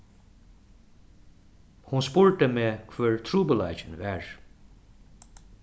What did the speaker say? hon spurdi meg hvør trupulleikin var